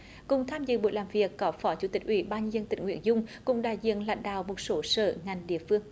cùng tham dự buổi làm việc có phó chủ tịch ủy ban nhân dân tỉnh nguyễn dung cùng đại diện lãnh đạo một số sở ngành địa phương